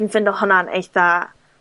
fi'n ffindo hwnna'n eitha